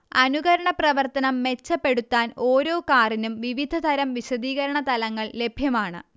അനുകരണ പ്രവർത്തനം മെച്ചപ്പെടുത്താൻ ഓരോ കാറിനും വിവിധ തരം വിശദീകരണ തലങ്ങൾ ലഭ്യമാണ്